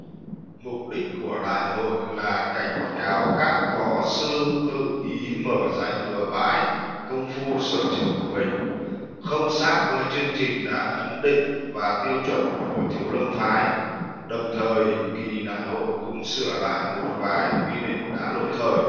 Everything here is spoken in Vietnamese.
mục đích của đại hội là cảnh cáo các võ sư tự ý mở dạy bừa bãi công phu sở trường của mình không sát với chương trình đã ấn định và tiêu chuẩn của thiếu lâm phái đồng thời kì đại hội cũng sửa lại một vài quy định đã lỗi thời